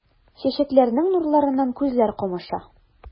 Чәчәкләрнең нурларыннан күзләр камаша.